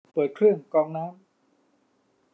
เปิดเครื่องกรองน้ำ